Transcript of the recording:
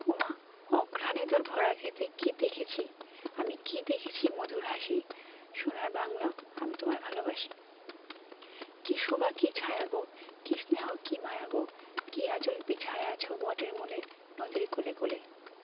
ওমা অঘ্রানে তোর ভরা ক্ষেতে কী দেখসি আমি কী দেখেছি মধুর হাসি সোনার বাংলা আমি তোমায় ভালোবাসি কী শোভা কী ছায়া গো কী স্নেহ কী মায়া গো কী আঁচল বিছায়েছ বটের মূলে নদীর কূলে কূলে